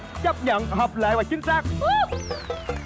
chấp nhận hợp lệ và chính xác